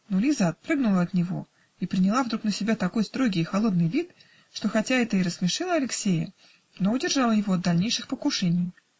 но Лиза отпрыгнула от него и приняла вдруг на себя такой строгий и холодный вид, что хотя это и рассмешило Алексея, но удержало его от дальнейших покушений.